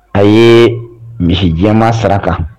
A ye misijɛma saraka.